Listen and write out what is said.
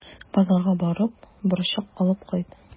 Базарга барып, борчак алып кайт.